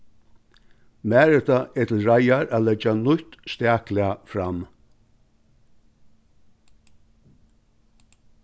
marita er til reiðar at leggja nýtt staklag fram